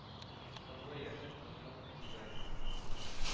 Соңгы яшен дусның сизәрмен.